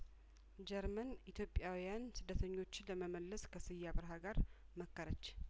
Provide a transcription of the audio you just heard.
ጀርመን ኢትዮጵያውያን ስደተኞችን ለመመለስ ከስዬ አብርሀ ጋር መከረች